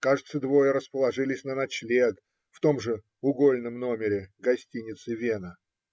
Кажется, двое расположились на ночлег в том же угОльном номере гостиницы "Вена".